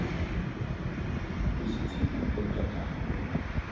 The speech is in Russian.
позитив доброта